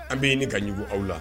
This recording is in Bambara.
An bɛ ɲini ka jugu aw la